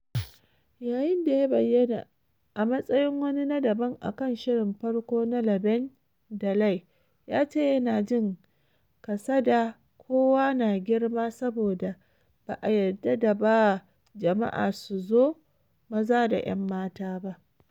Yayin da ya bayyana a matsayin wani na daban a kan shirin farko na Laverne, Daley ya ce yana jin "kasa da" kowa na girma saboda "ba a yarda da ba jama’a su so maza da 'yan mata ba."